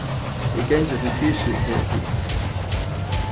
eg gangi til fysioterapi